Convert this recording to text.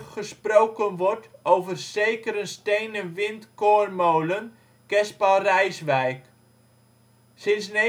gesproken wordt over " seeckeren steenen wind coornmolen...... kerspel Rijswijck ". Sinds 1962